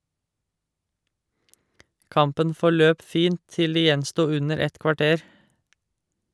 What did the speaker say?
Kampen forløp fint til det gjensto under et kvarter.